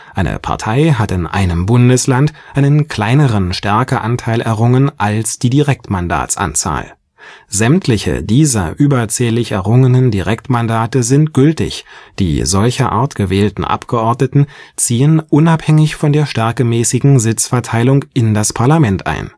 Eine Partei hat in einem Bundesland einen kleineren Stärkeanteil errungen als die Direktmandatsanzahl. Sämtliche dieser überzählig errungenen Direktmandate sind gültig, die solcherart gewählten Abgeordneten ziehen unabhängig von der stärkemäßigen Sitzverteilung in das Parlament ein